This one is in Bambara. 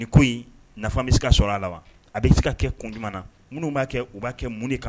Ni ko in nafa bɛ se ka sɔrɔ a la wa a bɛ se ka kɛ kun ɲuman na minnu b'a kɛ u b'a kɛ mun kama